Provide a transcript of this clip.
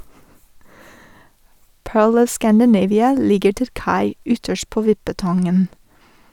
"Pearl of Scandinavia" ligger til kai ytterst på Vippetangen.